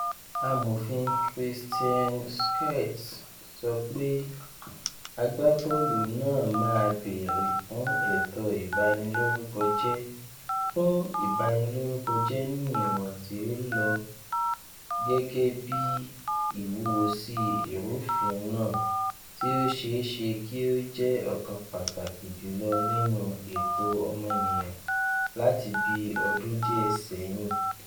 Amòfin Christian Schertz sọ pé agbábọ́ọ̀lù náà máa bèèrè fún ẹ̀tọ́ ìbanilórúkọjẹ́ fún “ìbanilórúkọjẹ́ ní ìwọ̀n tí ó lọ gẹ́gẹ́bí ìwúwosí ìrúfin náà, tí ó ṣeéṣe kí ó jẹ́ ọ̀kan pàtàkì jùlọ nínú ẹ̀tọ́ ọmọnìyàn láti bí ọdún díẹ́ ṣẹ́yìn."